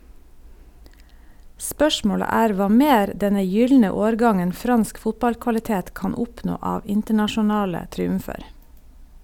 Spørsmålet er hva mer denne gylne årgangen fransk fotballkvalitet kan oppnå av internasjonale triumfer.